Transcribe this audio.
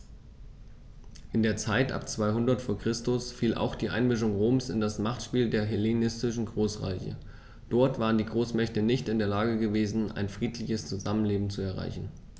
In die Zeit ab 200 v. Chr. fiel auch die Einmischung Roms in das Machtspiel der hellenistischen Großreiche: Dort waren die Großmächte nicht in der Lage gewesen, ein friedliches Zusammenleben zu erreichen.